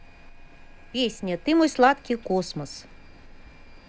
песня ты мой сладкий космос